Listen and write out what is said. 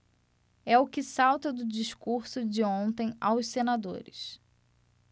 é o que salta do discurso de ontem aos senadores